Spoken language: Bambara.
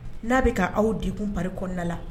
N'a bɛ ka aw dik kunp kɔnɔnada la